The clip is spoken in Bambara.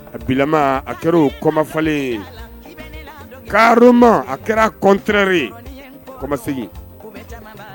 A bila a kɛra o kɔmafale ye karroma a kɛra kɔntere ye kɔmasegin